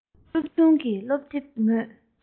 སློབ ཆུང གི བསླབ དེབ ངོས